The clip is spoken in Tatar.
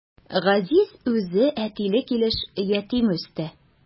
Газиз үзе әтиле килеш ятим үсте.